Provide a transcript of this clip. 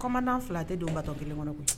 Commandant fila a tɛ don bateau kelen kɔnɔ koyi